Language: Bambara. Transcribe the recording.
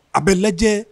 A bɛ lajɛ